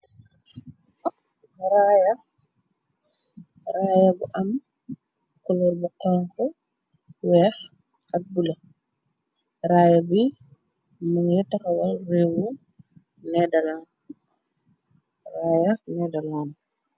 Raaya bu am kolor bu xanku weex ak bulu raaya bi mu nga taxawal réewu Nederland raaya Nederland.